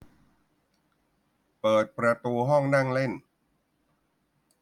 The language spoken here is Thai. เปิดประตูห้องนั่งเล่น